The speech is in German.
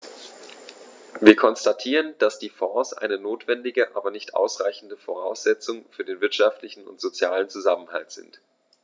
Wir konstatieren, dass die Fonds eine notwendige, aber nicht ausreichende Voraussetzung für den wirtschaftlichen und sozialen Zusammenhalt sind.